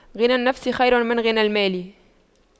غنى النفس خير من غنى المال